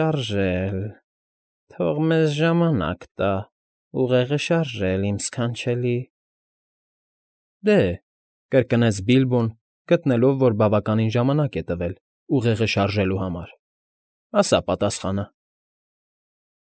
Շ֊շ֊շարժել, թող մեզ֊զ֊զ ժամանակ տա, ուղեղը շ֊շ֊շարժել, իմ ս֊ս֊սքանչելի։ ֊ Դե՞,֊ կրկնեց Բիլբոն, գտնելով, որ բավականին ժամանակ է տվել «ուղեղը շ֊շ֊շարժելու համար»։֊ Ասա պատասխանը։